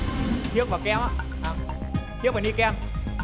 thiết và kẽm ạ à thiết và ni ken